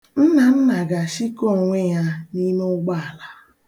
Nnanna ga-ashịkọ onwe ya n'ime ụgbọala.